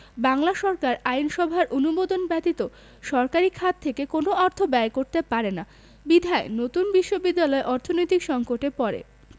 বাংলা সরকার আইনসভার অনুমোদন ব্যতীত সরকারি খাত থেকে কোন অর্থ ব্যয় করতে পারে না বিধায় নতুন বিশ্ববিদ্যালয় অর্থনৈতিক সংকটে পড়ে